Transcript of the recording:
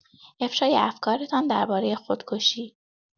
افشای افکارتان درباره خودکشی